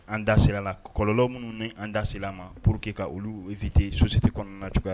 An da sera la kɔlɔlɔ minnu ni an dase ma pour quee ka olu ufite sosite kɔnɔna na cogoya